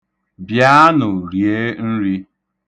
Bịanụ rie nri.